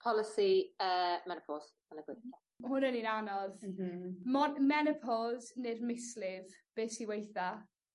Polisi yy menopos yn y gweithle. Ma' hon yn un anodd. M-hm. Mon- menopos ne'r mislif? Be' sy weitha?